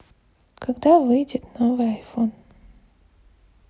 когда выйдет новый айфон